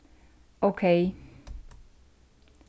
ókey